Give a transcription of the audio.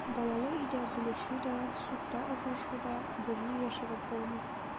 Балалы өйдә бүлешү дә, судта ызгышу да, бурны яшереп булмый.